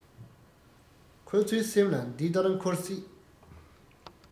ཁོ ཚོའི སེམས ལ འདི ལྟར མཁོར སྲིད